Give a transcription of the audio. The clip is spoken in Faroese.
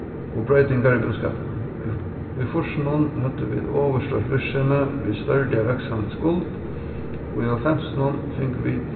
og broytingar í búskapinum í fýrsunum høvdu vit ovurstórt virksemi við stórliga vaksandi skuld og í hálvfemsunum fingu vit